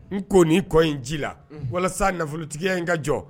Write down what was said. N ko nin kɔ in ji la walasa nafolotigiya in ka jɔ